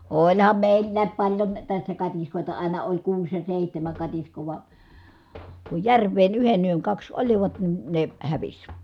olihan meillä paljon tässä katiskoita aina oli kuusi ja seitsemän katiskaa vaan kun järveen yhden yön kaksi olivat niin ne hävisi